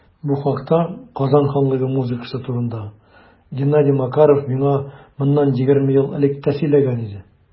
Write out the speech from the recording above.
Бу хакта - Казан ханлыгы музыкасы турында - Геннадий Макаров миңа моннан 20 ел элек тә сөйләгән иде.